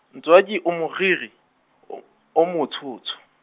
Ntswaki o moriri, o, o motsho tsho.